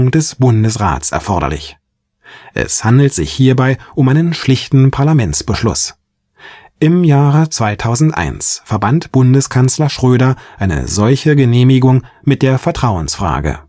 des Bundesrats erforderlich. Es handelt sich hierbei um einen schlichten Parlamentsbeschluss. Im Jahr 2001 verband Bundeskanzler Gerhard Schröder eine solche Genehmigung mit der Vertrauensfrage